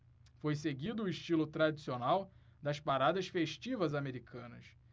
foi seguido o estilo tradicional das paradas festivas americanas